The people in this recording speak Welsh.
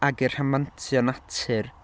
ag y rhamantio natur...